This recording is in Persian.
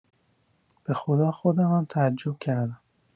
بخدا خودمم تعجب کردم